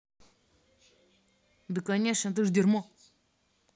да конечно ты ж дерьмо